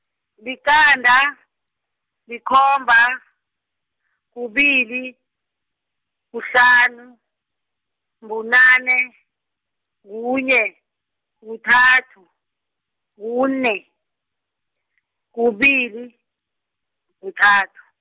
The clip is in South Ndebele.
liqanda, likhomba, kubili, kuhlanu, bunane, kunye, kuthathu, kune, kubili, kuthathu.